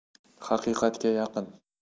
haqiqatga yaqin